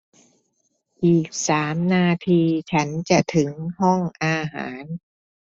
อีกสามนาทีฉันจะถึงห้องอาหาร